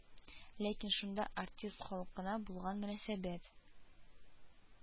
Ләкин шунда артист халкына булган мөнәсәбәт